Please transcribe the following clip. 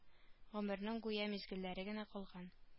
Гомернең гүя мизгелләре генә калган